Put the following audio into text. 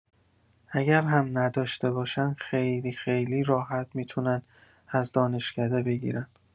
اگر هم نداشته باشن خیلی خیلی راحت می‌تونن از دانشکده بگیرن.